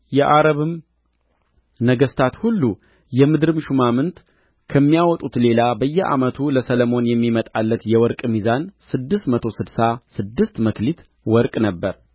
የዓረብም ነገሥታት ሁሉ የምድርም ሹማምት ከሚያወጡት ሌላ በየዓመቱ ለሰሎሞን የሚመጣለት የወርቅ ሚዛን ስድስት መቶ ስድሳ ስድስት መክሊት ወርቅ ነበረ